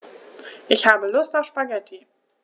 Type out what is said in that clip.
Ich habe Lust auf Spaghetti.